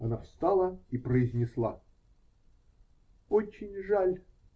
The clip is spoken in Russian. Она встала и произнесла: -- Очень жаль.